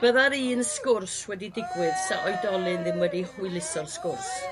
bydda'r un sgwrs wedi digwydd 'sa oedolyn ddim wedi hwyluso'r sgwrs?